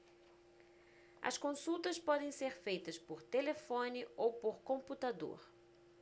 as consultas podem ser feitas por telefone ou por computador